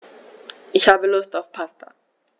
Ich habe Lust auf Pasta.